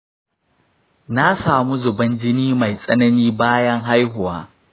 na samu zuban jini mai tsanani bayan haihuwa.